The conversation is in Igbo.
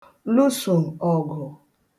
lụsò ọ̀gụ̀